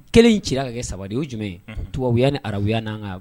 1 in cira k'a kɛ 3 de ye o ye jumɛn ye unhun tubabuya ni arabuya n'an ŋa